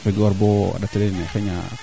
xa wara lu kaaga xa waralun